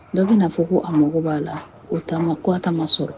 Dɔ bɛ n' fɔ ko a mago b'a la o ko ta ma sɔrɔ